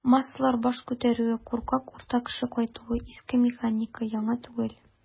"массалар баш күтәрүе", куркак "урта кеше" кайтуы - иске механика, яңа түгел.